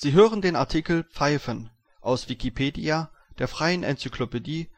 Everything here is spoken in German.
hören den Artikel Pfeifen, aus Wikipedia, der freien Enzyklopädie